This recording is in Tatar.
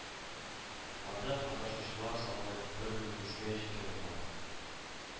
Анда катнашучылар саны бер мең йөзгә җиткән булган